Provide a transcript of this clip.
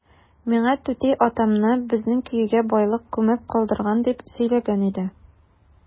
Миңа түти атамны безнең коега байлык күмеп калдырган дип сөйләгән иде.